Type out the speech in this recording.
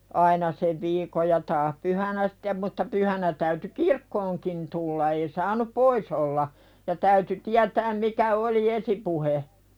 aina sen viikon ja taas pyhänä sitten mutta pyhänä täytyi kirkkoonkin tulla ei saanut pois olla ja täytyi tietää mikä oli esipuhe